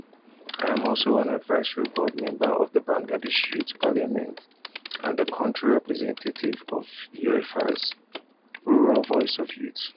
I am also an advisory board member of the Bangladesh Youth Parliament, and the Country Representative of UNICEF Rural Voices of Youth.